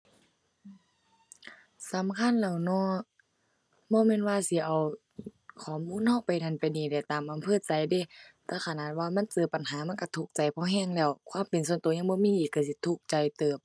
สำคัญแหล้วเนาะ บ่แม่นว่าสิเอาข้อมูลเราไปนั่นไปนี่ได้ตามอำเภอใจเดะ แต่ขนาดว่ามันเจอปัญหา มันเราทุกข์ใจพอเราแล้ว ความเป็นส่วนเรายังบ่มีอีก เราสิทุกข์ใจเติบ